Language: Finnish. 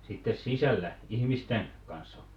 sitten sisällä ihmisten kanssa